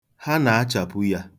Ha na-achapu ya.